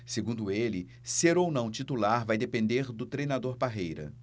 segundo ele ser ou não titular vai depender do treinador parreira